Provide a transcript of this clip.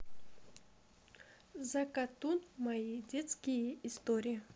закатун мои детские истории